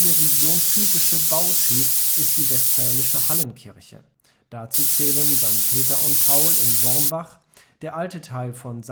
Region typische Bautyp ist die westfälische Hallenkirche. Dazu zählen St. Peter und Paul in Wormbach, der alte Teil von